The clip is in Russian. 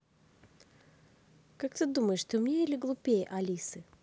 как ты думаешь ты умнее или глупее алисы